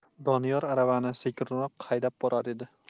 doniyor aravani sekinroq haydab borar edi